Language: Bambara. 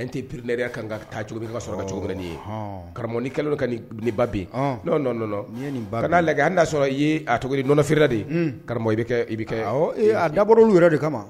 An tɛ piriɛya kan ka taa cogo min ka sɔrɔ ka cogo wɛrɛin ye karamɔgɔi kɛlen don ka ni ba bin n'a la an'a sɔrɔ ye a cogo nɔɔnɔfra de karamɔgɔ i i bɛ kɛ dabɔw yɛrɛ de kama